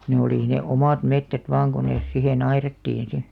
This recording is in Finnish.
ne oli ne omat metsät vain kun ne siihen aidattiin sitten